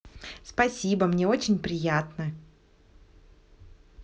спасибо мне очень приятно